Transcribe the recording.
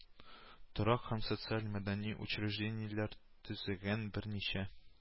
Торак һәм социаль-мәдәни учреждениеләр төзегән, берничә